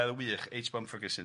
yy wych H-Bomb Ferguson.